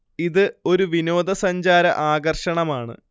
ഇത് ഒരു വിനോദ സഞ്ചാര ആകർഷണമാണ്